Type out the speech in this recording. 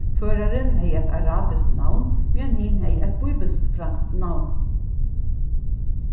førarin hevði eitt arabiskt navn meðan hin hevði eitt bíbilskt franskt navn